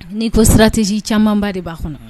N'i ko sira tɛz camanba de b'a kɔnɔ